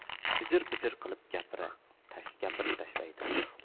bijir bijir qilib gapirib tashlaydi